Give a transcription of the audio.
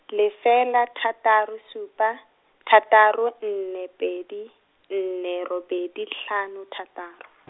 lefela thataro supa, thataro nne pedi, nne robedi tlhano thataro.